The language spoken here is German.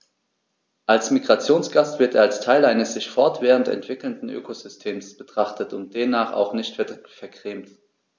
Als Migrationsgast wird er als Teil eines sich fortwährend entwickelnden Ökosystems betrachtet und demnach auch nicht vergrämt.